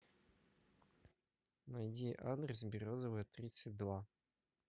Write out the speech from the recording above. найди адрес березовая тридцать два